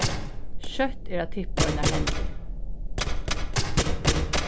skjótt er at tippa einar hendur